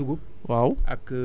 xam nga bu dee mil